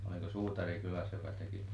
oliko suutari kylässä joka teki